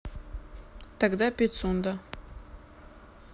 тогда пицунда